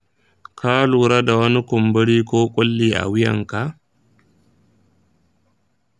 ka lura da wani kumburi ko ƙulli a wuyanka?